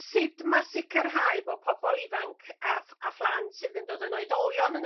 sud ma' sicrhau bo' pobol ifanc a a phlant sydd yn dod yn oedolion yn y